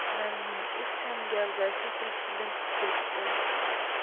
onamning ixcham gavdasi silkinib ketdi